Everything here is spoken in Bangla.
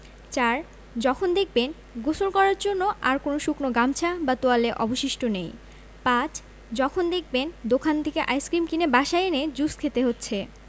৪. যখন দেখবেন গোসল করার জন্য আর কোনো শুকনো গামছা বা তোয়ালে অবশিষ্ট নেই ৫. যখন দেখবেন দোকান থেকে আইসক্রিম কিনে বাসায় এসে জুস খেতে হচ্ছে